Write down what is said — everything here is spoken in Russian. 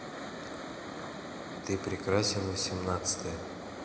ты прекрасен восемнадцатая